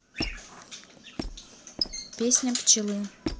песня пчелы